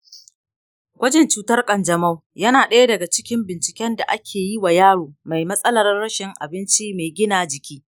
gwajin cutar kanjamau yana ɗaya daga cikin binciken da ake yi wa yaro mai matsalar rashin abinci mai gina jiki.